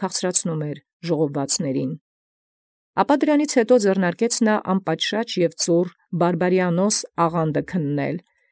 Քաղցրացուցանէր։ Ապա յետ այնորիկ ձեռն արկանէր զդժպատեհ և զկամակոր բարբարիանոս աղանդն քննելոյ։